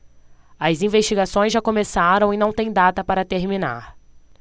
as investigações já começaram e não têm data para terminar